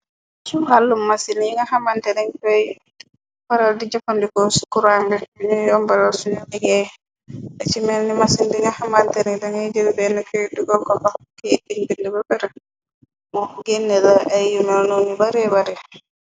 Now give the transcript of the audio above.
Si wàllum masin yi nga xamanteri poy faral di jëpandikoo kuranbe buñu yombara suñu legéey la. Ci melni masin di nga xamanteli dangay jëlbenn koydu gokkokox ke ippiñ bind. Ba perë moo genne la ay yu melno ñu baree baree.